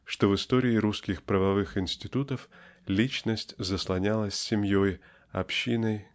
что в истории русских правовых институтов личность заслонялась семьей общиной